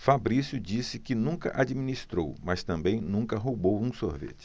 fabrício disse que nunca administrou mas também nunca roubou um sorvete